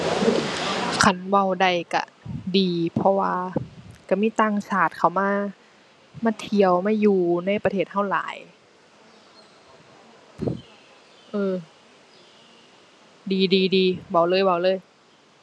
คันเว้าได้ก็ดี เพราะว่าก็มีต่างชาติเข้ามา มาเที่ยว มาอยู่ในประเทศก็หลาย เอ้อ ดีดีดี เว้าเลยเว้าเลย